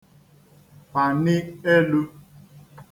pàni elu